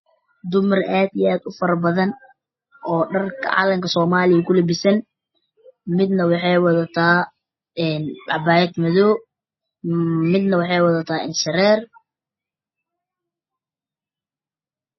Dumar aad ufara banan oo calanka soomalia kulibisan midnah waxey wadata cabayad madow midnah idha shareer